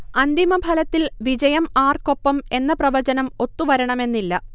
അന്തിമഫലത്തിൽ വിജയം ആർക്കൊപ്പം എന്ന പ്രവചനം ഒത്തുവരണമെന്നില്ല